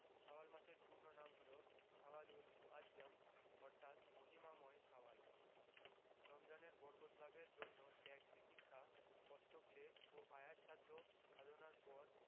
শাওয়াল মাসের পূর্ণ নাম হলো শাওয়ালুল মুআজ্জম অর্থাৎ মহিমাময় শাওয়াল রমজানের বরকত লাভের জন্য ত্যাগ তিতিক্ষা কষ্টক্লেশ ও আয়াস সাধ্য সাধনার পর